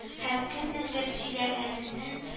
Һәм кемнеңдер сөйләнгәнен